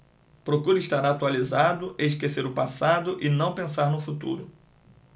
procuro estar atualizado esquecer o passado e não pensar no futuro